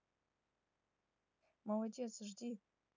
молодец жди